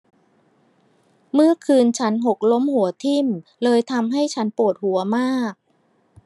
เมื่อคืนฉันหกล้มหัวทิ่มเลยทำให้ฉันปวดหัวมาก